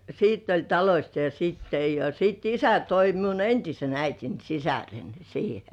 sitten oli talosta jo sitten ja ja sitten isä toi toi minun entisen äitini sisaren siihen